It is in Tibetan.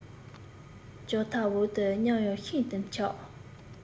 ལྕགས ཐབ འོག ཏུ ཉལ ཡང ཤིན ཏུ འཁྱགས